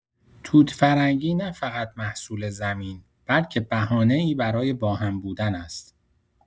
توت‌فرنگی نه‌فقط محصول زمین، بلکه بهانه‌ای برای با هم بودن است.